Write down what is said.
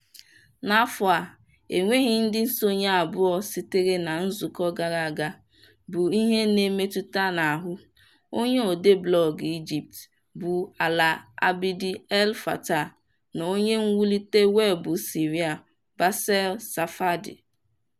N'afọ a, enweghị ndị nsonye abụọ sitere na nzukọ gara aga bụ ihe na-emetụta n'ahụ: onye odee blọgụ Egypt bụ Alaa Abd El Fattah na onye mwulite webụ Syria Bassel Safadi.